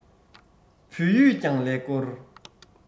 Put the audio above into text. བོད ཡིག ཀྱང ཀླད ཀོར